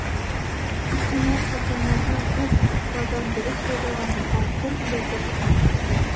Тик менә хатыннарны ул хокуклардан дөрес файдаланырга кем өйрәтер икән соң?